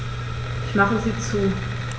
Ich mache sie zu.